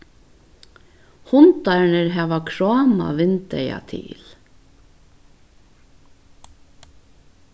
hundarnir hava krámað vindeygað til